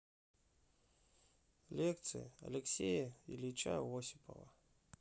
лекции алексея ильича осипова